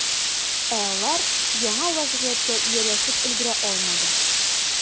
Ә алар яңа вәзгыятькә ияләшеп өлгерә алмады.